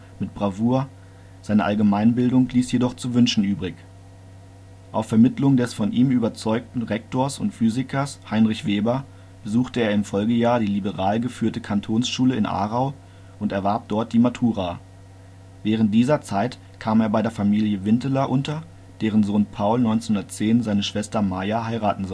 Bravour, seine Allgemeinbildung ließ jedoch zu wünschen übrig. Auf Vermittlung des von ihm überzeugten Rektors und Physikers Heinrich Weber besuchte er im Folgejahr die liberal geführte Kantonsschule in Aarau und erwarb dort die Matura. Während dieser Zeit kam er bei der Familie Winteler unter, deren Sohn Paul 1910 seine Schwester Maja heiraten